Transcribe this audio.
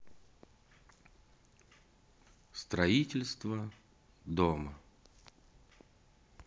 строительство дома